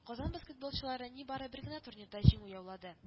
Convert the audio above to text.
Казан баскетболчылары нибары бер генә турнирда җиңү яулады: